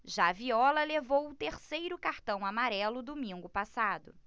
já viola levou o terceiro cartão amarelo domingo passado